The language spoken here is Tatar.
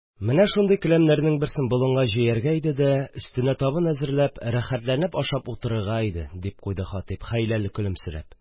– менә шундый келәмнәрнең берсен болынга җәяргә иде дә, өстенә табын әзерләп, рәхәтләнеп ашап утырырга иде, – дип куйды хатип, хәйләле көлемсерәп.